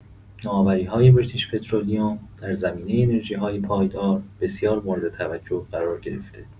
نوآوری‌های بریتیش‌پترولیوم در زمینه انرژی‌های پایدار بسیار مورد توجه قرار گرفته.